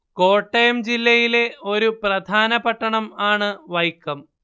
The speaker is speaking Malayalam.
കോട്ടയം ജില്ലയിലെ ഒരു പ്രധാന പട്ടണം ആണ് വൈക്കം